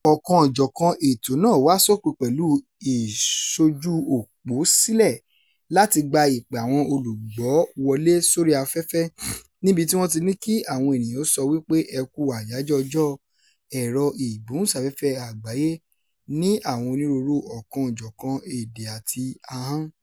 Ọ̀kan-ò-jọ̀kan ètò náà wá sópin pẹ̀lú ìṣójú òpó sílẹ̀ láti gba ìpè àwọn olùgbọ́ wọlé sórí afẹ́fẹ́, níbi tí wọ́n ti ní kí àwọn ènìyàn ó sọ wípé “ẹ kú Àyájọ́ Ọjọ́ Ẹ̀rọ-ìgbóhùnsáfẹ́fẹ́ Àgbáyé” ní àwọn onírúurú ọ̀kan-ò-jọ̀kan èdè àti ahọ́n: